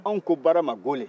anw ko baara ma gole